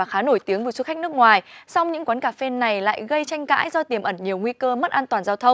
khá nổi tiếng của du khách nước ngoài song những quán café này lại gây tranh cãi do tiềm ẩn nhiều nguy cơ mất an toàn giao thông